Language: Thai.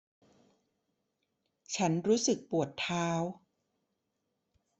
ฉันรู้สึกปวดเท้า